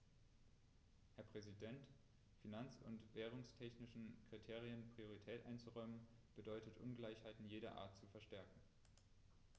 Herr Präsident, finanz- und währungstechnischen Kriterien Priorität einzuräumen, bedeutet Ungleichheiten jeder Art zu verstärken.